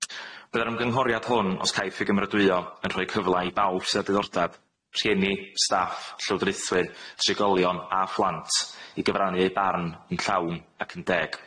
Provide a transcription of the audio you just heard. Bydd yr ymgynghoriad hwn, os caiff ei gymeradwyo, yn rhoi y cyfla i bawb sydd â diddordab - rhieni, staff, llywodraethwyr, trigolion, a phlant - i gyfrannu eu barn yn llawn ac yn deg.